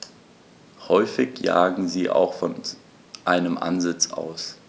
Häufig jagen sie auch von einem Ansitz aus.